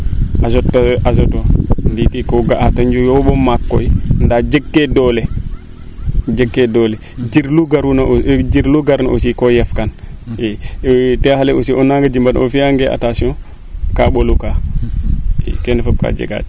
azote ndiiki ko ga'aa te ñofo maak koy ndaa jeg kee doole jeg kee doole jer lu garuuna jir lu gar na aussi koo yaf kan i a teexa le aussi o naanga jiman o fiya nge attention kaa ɓolu kaa i kene fop kaa jeg